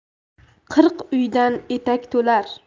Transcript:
qirq uydan etak to'lar